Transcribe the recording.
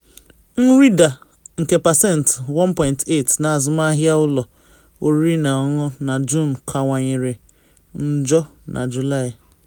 Nrịda nke pasentị 1.8 n’azụmahịa ụlọ oriri na ọṅụṅụ na Juun kawanyere njọ na Julai.